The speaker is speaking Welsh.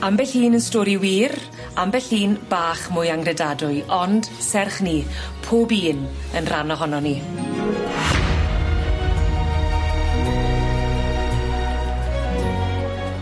Ambell un yn stori wir, ambell un bach mwy angredadwy, ond serch 'ny pob un yn rhan ohonon ni.